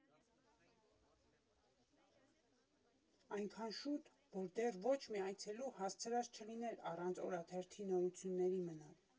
Այնքան շուտ, որ դեռ ոչ մի այցելու հասցրած չլիներ առանց օրաթերթի նորությունների մնալ։